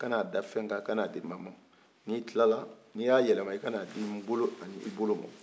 k'a da fɛn ka k'a di maa ma n'i tilala n'i y'a yɛlɛma i ka n'a di nbolo ani i bolo ma